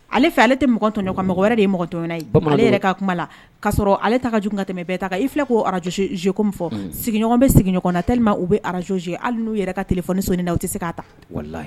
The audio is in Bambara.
Ale fɛ ale tɛ mɔgɔ wɛrɛ de ye mɔgɔ ye ale ka kuma'a sɔrɔ ale ta j ka tɛmɛ bɛɛ ta i fila k'o arajsi ze fɔ sigiɲɔgɔn bɛ sigi na teli ma u bɛ arazjoe hali n'u yɛrɛ ka tile fɔ ni sanini na u tɛ se ka ta